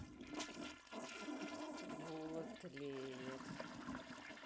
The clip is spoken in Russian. bula тлеет